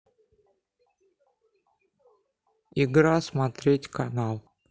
игра смотреть канал